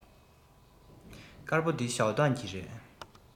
དཀར པོ འདི ཞའོ ཏོན གྱི རེད